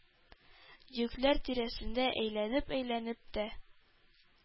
Йөкләр тирәсендә әйләнеп-әйләнеп тә